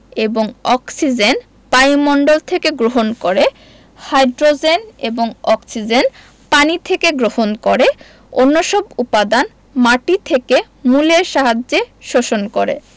এবং অক্সিজেন বায়ুমণ্ডল থেকে গ্রহণ করে হাই্ড্রোজেন এবং অক্সিজেন পানি থেকে গ্রহণ করে অন্যসব উপাদান মাটি থেকে মূলের সাহায্যে শোষণ করে